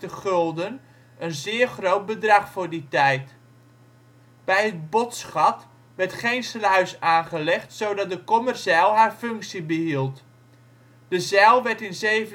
gulden, een zeer groot bedrag voor die tijd). Bij het Botsgat werd geen sluis aangelegd, zodat de Kommerzijl haar functie behield. De zijl werd in 1787